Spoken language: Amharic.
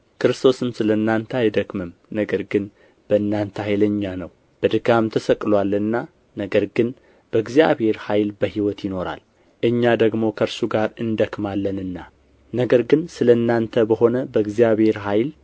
ክርስቶስም ስለ እናንተ አይደክምም ነገር ግን በእናንተ ኃይለኛ ነው በድካም ተሰቅሎአልና ነገር ግን በእግዚአብሔር ኃይል በሕይወት ይኖራል እኛ ደግሞ ከእርሱ ጋር እንደክማለንና ነገር ግን ስለ እናንተ በሆነ በእግዚአብሔር ኃይል